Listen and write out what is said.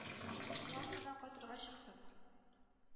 Соңлап кына кайтырга чыктым.